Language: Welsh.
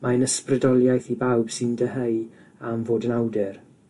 Mae'n ysbrydoliaeth i bawb sy'n deheu am fod yn awdur.